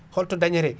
holto dañete